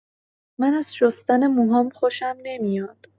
من از شستن موهام خوشم نمیاد.